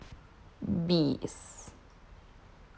бис